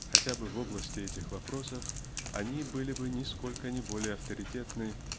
хотя бы в области этих вопросов они были нисколько не более авторитетны